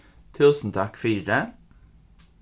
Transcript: túsund takk fyri